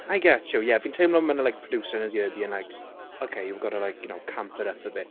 I get you ie fi'n teimlo ma' 'na like producer in his ear being like "ok you've got to like you know camp it up a bit."